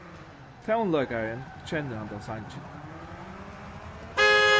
tónleikarin kennir handan sangin